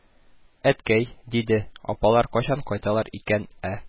– әткәй, – диде, – апалар кайчан кайталар икән, ә